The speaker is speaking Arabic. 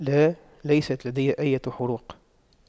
لا ليست لدي اية حروق